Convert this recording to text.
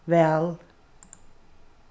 væl